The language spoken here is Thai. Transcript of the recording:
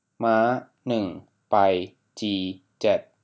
ม้าหนึ่งไปจีเจ็ด